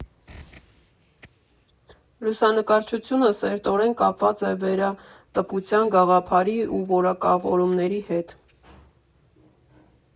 Լուսանկարչությունը սերտորեն կապված է վերատպության գաղափարի ու որակավորումների հետ.